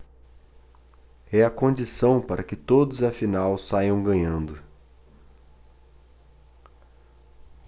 é a condição para que todos afinal saiam ganhando